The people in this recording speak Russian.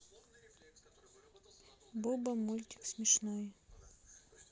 буба мультик смешной